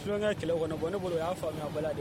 Tulonkɛ kɛlɛ kɔnɔ, bon ne bolo o y'a faamuya bala de ye